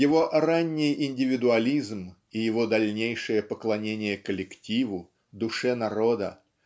его ранний индивидуализм и его дальнейшее поклонение коллективу душе народа